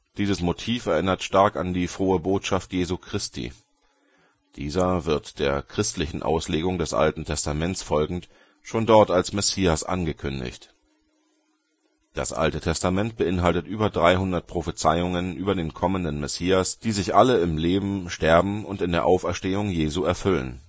Dieses Motiv erinnert stark an die Frohe Botschaft Jesu Christi. Dieser wird der christlichen Auslegung des Alten Testaments folgend schon dort als der Messias angekündigt. Das Alte Testament beinhaltet über 300 Prophezeiungen über den kommenden Messias, die sich alle im Leben, Sterben und in der Auferstehung Jesu erfüllten